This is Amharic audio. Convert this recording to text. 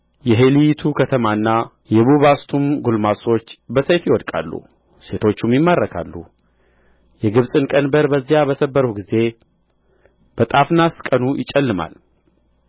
የሄልዮቱ ከተማና የቡባስቱም ጎልማሶች በሰይፍ ይወድቃሉ ሴቶችም ይማረካሉ የግብጽን ቀንበር በዚያ በሰበርሁ ጊዜ በጣፍናስ ቀኑ ይጨልማል